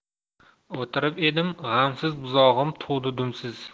o'tirib edim g'amsiz buzog'im tug'di dumsiz